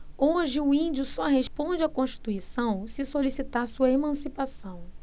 hoje o índio só responde à constituição se solicitar sua emancipação